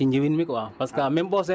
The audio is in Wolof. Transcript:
ci mbéy mi ak ci njiwin mi quoi